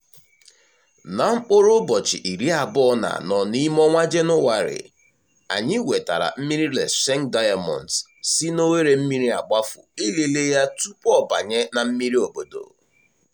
Na mkpụrụụbọchị iri abụọ na anọ n'ime ọnwa Jenụwarị, anyị wetara mmiri Letseng Diamonds si na oghere mmiri agbafu ilele ya tupu ọ banye na mmiri obodo.